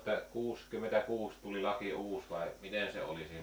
eikös se ollut että kuusikymmentäkuusi tuli laki uusi vai miten se oli siinä